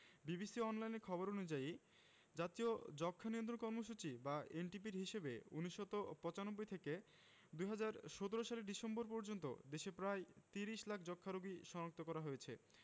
BBC অনলাইনের খবর অনুযায়ী জাতীয় যক্ষ্মা নিয়ন্ত্রণ কর্মসূচি বা এনটিপির হিসেবে ১৯৯৫ থেকে ২০১৭ সালের ডিসেম্বর পর্যন্ত দেশে প্রায় ৩০ লাখ যক্ষ্মা রোগী শনাক্ত করা হয়েছে